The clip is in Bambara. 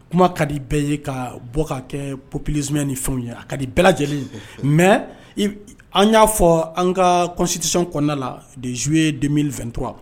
Kuma kadi bɛɛ ye ka bɔ ka kɛ pplisiya ni fɛnw ye a ka di bɛɛ lajɛlen mɛ an y'a fɔ an ka kɔnsitisi kɔnɔna la de zu ye den2tɔ